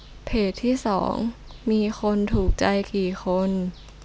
เพจที่สองมีคนถูกใจกี่คน